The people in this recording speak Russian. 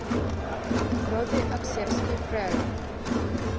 роды оксерский fréro